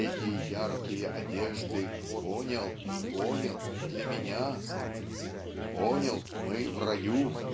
"эти яркие одежды, понял, понял -- для меня"! "понял, мы -- в раю".